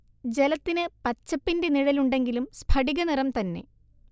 ജലത്തിന് പച്ചപ്പിന്റെ നിഴലുണ്ടെങ്കിലും സ്ഫടിക നിറം തന്നെ